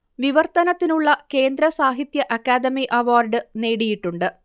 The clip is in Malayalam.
വിവർത്തനത്തിനുള്ള കേന്ദ്ര സാഹിത്യ അക്കാദമി അവാർഡ് നേടിയിട്ടുണ്ട്